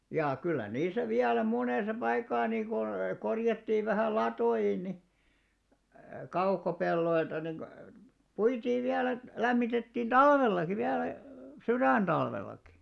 ja kyllä niissä vielä monessa paikkaa niin kuin korjattiin vähän latoihin niin kaukopelloilta niin puitiin vielä että lämmitettiin talvellakin vielä sydäntalvellakin